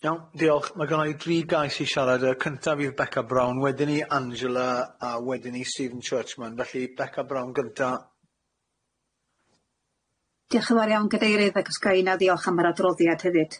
Iawn diolch. Ma' gynna i dri gais i siarad y cyntaf yw Beca Brown wedyn i Angela a wedyn i Stephen Churchman felly Beca Brown gynta. Diolch yn fawr iawn gadeirydd agos ga i na ddiolch am yr adroddiad hefyd.